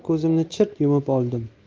ko'zimni chirt yumib oldim